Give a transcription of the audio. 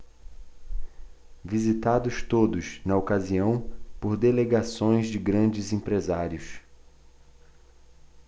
visitados todos na ocasião por delegações de grandes empresários